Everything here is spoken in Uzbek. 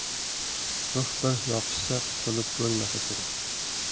ruh bir yopishsa qutulib bo'lmasa kerak